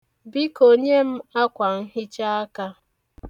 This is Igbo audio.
Biko, nye m akwanhichaaka.